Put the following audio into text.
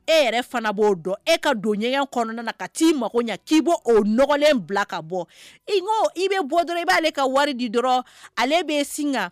E yɛrɛ fana b'o dɔn e ka don ɲɛgɛn kɔnɔna na ka'i mago ɲɛ k'i bɔ o nɔgɔlen bila ka bɔ i i bɛ bɔ dɔrɔn i b'aale ka wari di dɔrɔn ale bɛ sin